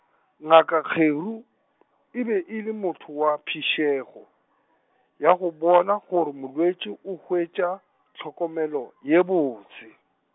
ngaka Kgeru , e be e le motho wa phišego , ya go bona gore molwetši o hwetša, tlhokomelo ye botse.